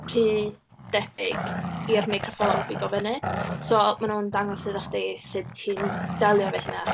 rhy debyg i'r meicroffon bigo fyny. So maen nhw'n dangos iddo chdi sut ti'n delio efo hynna.